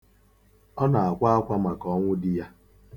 Ọ na-akwa akwa maka ọnwụ di ya.